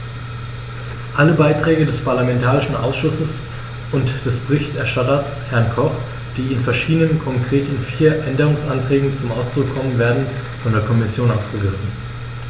Alle Beiträge des parlamentarischen Ausschusses und des Berichterstatters, Herrn Koch, die in verschiedenen, konkret in vier, Änderungsanträgen zum Ausdruck kommen, werden von der Kommission aufgegriffen.